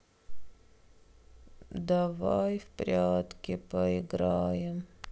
давай в прятки поиграем